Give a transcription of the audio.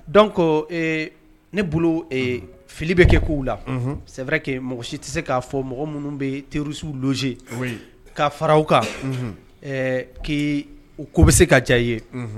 Donc ee ne bolo ee fili be kɛ kow la unhun c'est vrai que mɔgɔ si tise k'a fɔ mɔgɔ minnu bee terroriste u loger oui ka fara u kan unhun ɛɛ kee u ko bɛ se ka diya i ye unhun